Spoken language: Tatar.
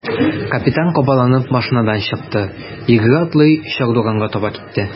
Капитан кабаланып машинадан чыкты, йөгерә-атлый чардуганга таба китте.